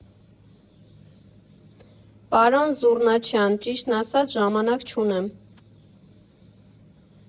Պարոն Զուռնաչյան, ճիշտն ասած, ժամանակ չունեմ։